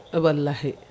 wallahi